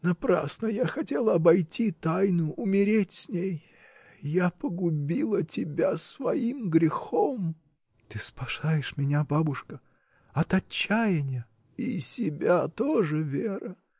Напрасно я хотела обойти тайну, умереть с ней. Я погубила тебя своим грехом. — Ты спасаешь меня, бабушка. от отчаяния. — И себя тоже, Вера.